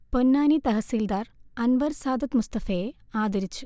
പൊന്നാനി തഹസിൽദാർ അൻവർ സാദത്ത് മുസ്തഫയെ ആദരിച്ചു